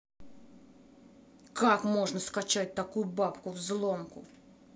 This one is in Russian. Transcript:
как можно скачать такую бабку взломку